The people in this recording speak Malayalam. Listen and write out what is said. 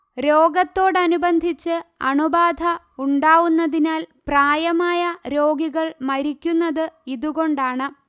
രോഗത്തോടനുബന്ധിച്ച് അണുബാധ ഉണ്ടാവുന്നതിനാൽ പ്രായമായ രോഗികൾ മരിക്കുന്നത് ഇതുകൊണ്ടാണ്